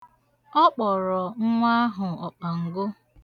Ọ kpọrọ nnwa ahụ ọkpango.